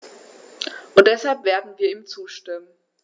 Und deshalb werden wir ihm zustimmen.